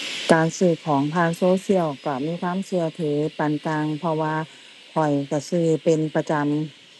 การซื้อของผ่านโซเชียลก็มีความก็ถือปานกลาง เพราะว่าข้อยก็ซื้อเป็นประจำ